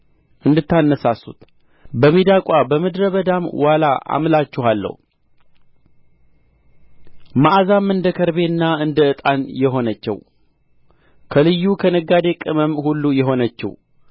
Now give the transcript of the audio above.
እንዳታነሣሡት በሚዳቋ በምድረ በዳም ዋላ አምላችኋለሁ መዓዛም እንደ ከርቤና እንደ ዕጣን የሆነችው ከልዩ ከነጋዴ ቅመም ሁሉ የሆነችው